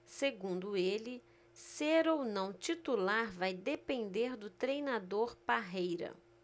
segundo ele ser ou não titular vai depender do treinador parreira